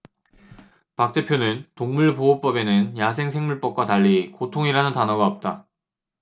박 대표는 동물보호법에는 야생생물법과 달리 고통이라는 단어가 없다